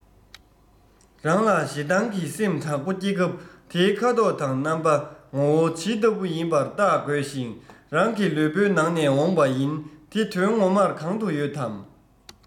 རང ལ ཞེ སྡང གི སེམས དྲག པོ སྐྱེས སྐབས དེའི ཁ དོག དང རྣམ པ ངོ བོ ཇི ལྟ བུ ཡིན པར བརྟག དགོས ཤིང རང གི ལུས པོའི ནང ནས འོངས པ ཡིན དེ དོན ངོ མར གང དུ ཡོད དམ